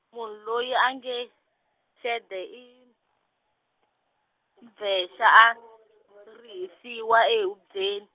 munhu loyi a nge, Xede i, mbvexa a a, rihisiwa ehubyeni.